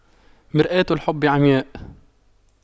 مرآة الحب عمياء